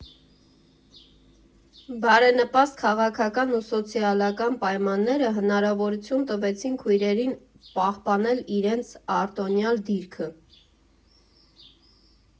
Բարենպաստ քաղաքական ու սոցիալական պայմանները հնարավորություն տվեցին քույրերին պահպանել իրենց արտոնյալ դիրքը։